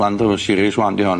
Land Rover series one 'di hon.